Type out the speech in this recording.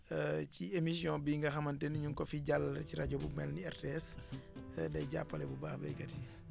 ci émission bii nga xamante ni ñu ngi ko fiy jàllale ci rajo bu mel ni RTS day jàppale bu baax béykat yi